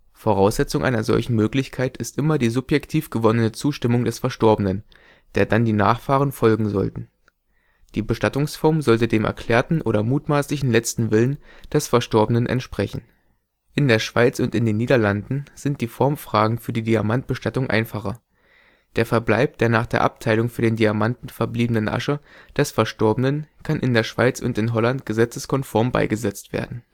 Voraussetzung einer solchen Möglichkeit ist immer die subjektiv gewonnene Zustimmung des Verstorbenen, der dann die Nachfahren folgen sollten. Die Bestattungsform sollte dem „ erklärten oder mutmaßlichen letzten Willen “des Verstorbenen entsprechen. In der Schweiz und in den Niederlanden sind die Formfragen für die Diamantbestattung einfacher. Der Verbleib der nach der Abteilung für den Diamanten verbliebenen Asche des Verstorbenen kann in der Schweiz und in Holland gesetzeskonform beigesetzt werden